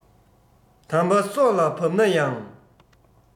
དམ པ སྲོག ལ བབས ན ཡང